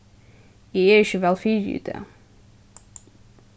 eg eri ikki væl fyri í dag